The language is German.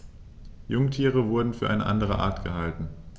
Jungtiere wurden für eine andere Art gehalten.